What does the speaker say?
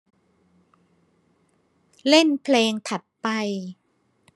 เล่นเพลงถัดไป